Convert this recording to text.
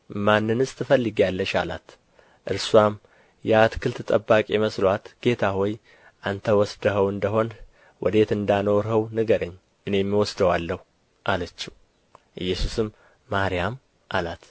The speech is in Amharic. ማንንስ ትፈልጊያለሽ አላት እርስዋም የአትክልት ጠባቂ መስሎአት ጌታ ሆይ አንተ ወስደኸው እንደ ሆንህ ወዴት እንዳኖርኸው ንገረኝ እኔም እወስደዋለሁ አለችው ኢየሱስም ማርያም አላት